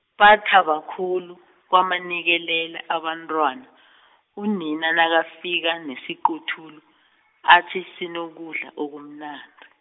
bathaba khulu, kwamanikelela abantwana , unina nakafika nesiquthulu , athi sinokudla okumnandi.